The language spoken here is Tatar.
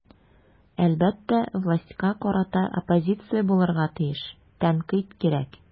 Әлбәттә, властька карата оппозиция булырга тиеш, тәнкыйть кирәк.